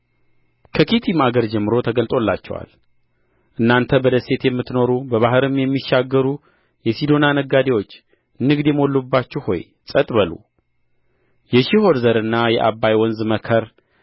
ከኪቲም አገር ጀምሮ ተገልጦላቸዋል እናንተ በደሴት የምትኖሩ በባሕርም የምትሻገሩ የሲዶና ነጋዴዎች ንግድ የሞሉባችሁ ሆይ ጸጥ በሉ የሺሖር ዘርና የዓባይ ወንዝ መከር